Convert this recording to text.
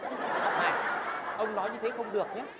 này ông nói như thế không được nhá